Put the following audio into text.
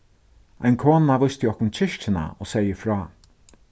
ein kona vísti okkum kirkjuna og segði frá